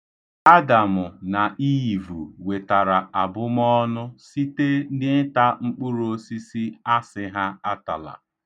Adamụ na Iivu wetara abụmọọnụ site n'ịta mkpụroosisi a sị ha atala.